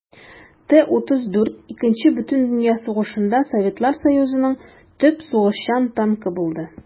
Т-34 Икенче бөтендөнья сугышында Советлар Союзының төп сугышчан танкы булды.